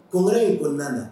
Kɔn in kɔnɔna na